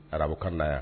Arabukan yan